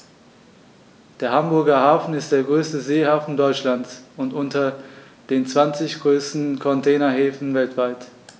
Der Hamburger Hafen ist der größte Seehafen Deutschlands und unter den zwanzig größten Containerhäfen weltweit.